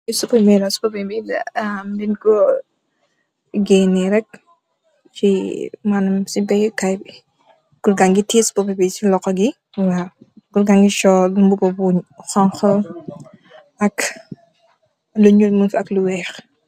Li supameh la supameh bi nyun ko gene nak si beiyu kai bi goor bagi teyeh supameh si loxom gi goor bagi sol mbuba bu xonxa lu nuul mung fa ak lu weex.